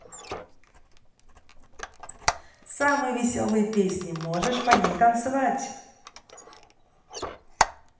самые веселые песни можешь по ней танцевать